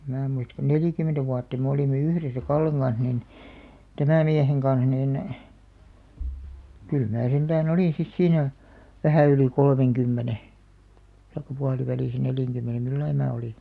en minä muista kun neljäkymmentä vuotta me olimme yhdessä Kallen kanssa niin tämän miehen kanssa niin kyllä minä sentään olin sitten siinä vähän yli kolmenkymmenen tai puolivälissä neljänkymmenen millä lailla minä olin